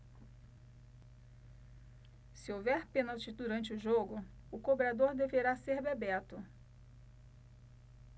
se houver pênalti durante o jogo o cobrador deverá ser bebeto